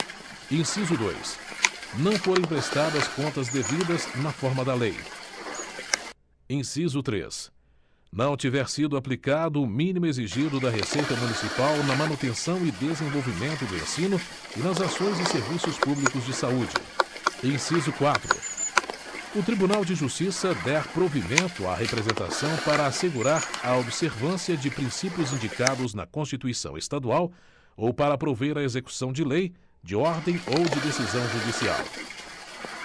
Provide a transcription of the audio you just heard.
inciso dois não forem prestadas contas devidas na forma da lei inciso três não tiver sido aplicado o mínimo exigido da receita municipal na manutenção e desenvolvimento do ensino e nas ações e serviços públicos de saúde inciso quatro o tribunal de justiça der provimento a representação para assegurar a observância de princípios indicados na constituição estadual ou para prover a execução de lei de ordem ou de decisão judicial